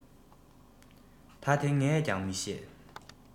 ད དེ ངས ཀྱང མི ཤེས